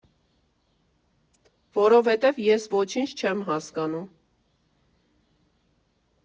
Որովհետև ես ոչինչ չեմ հասկանում։